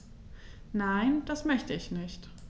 Nein, das möchte ich nicht.